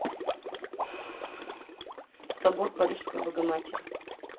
собор парижской богоматери